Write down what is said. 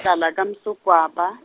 ngihlala kaMsogwaba.